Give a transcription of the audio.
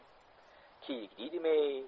kiyik deydimi ey